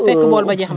fekk bool ba jeex na